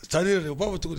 Sa baw bɛ cogo di